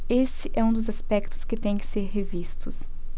esse é um dos aspectos que têm que ser revistos